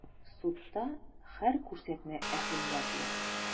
Судта һәр күрсәтмә әһәмиятле.